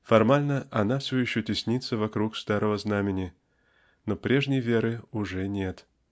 Формально она все еще теснится вокруг старого знамени но прежней веры уже нет.